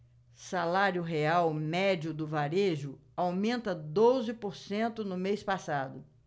salário real médio do varejo aumenta doze por cento no mês passado